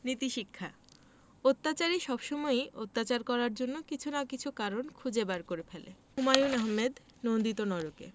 নীতিশিক্ষা অত্যাচারী সবসময়ই অত্যাচার করার জন্য কিছু না কিছু কারণ খুঁজে বার করে ফেলে হুমায়ুন আহমেদ